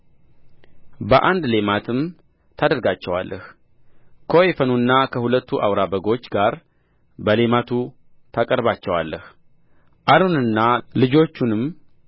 በአንድ ሌማትም ታደርጋቸዋለህ ከወይፈኑና ከሁለቱ አውራ በጎች ጋር በሌማቱ ታቀርባቸዋለህ አሮንና ልጆቹንም